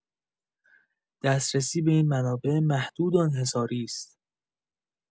دسترسی به این منابع محدود و انحصاری است.